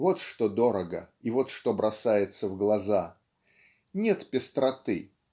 вот что дорого и вот что бросается в глаза. Нет пестроты